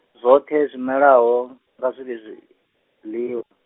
zwoṱhe zwimelaho, nga zwivhe zwiḽiwa.